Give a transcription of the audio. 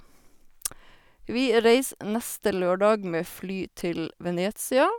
Vi reiser neste lørdag med fly til Venezia.